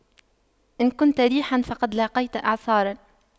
إن كنت ريحا فقد لاقيت إعصارا